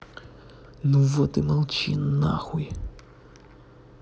ну вот и молчи нахуй